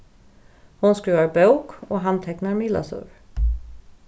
hon skrivar bók og hann teknar miðlasøgur